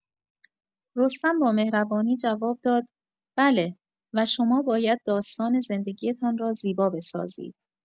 رستم با مهربانی جواب داد: «بله، و شما باید داستان زندگی‌تان را زیبا بسازید.»